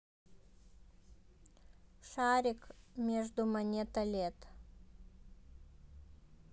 шарик между монета лет